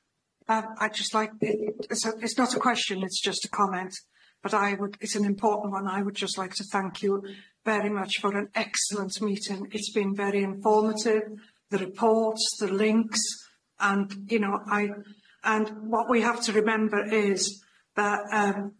Err I just like... It's a- it's not a question it's just a comment, but I would- it's an important one, I would just like to thank you very much for an excellent meeting, it's been very informative, the reports, the links, and you know I- and what we have to remember is that um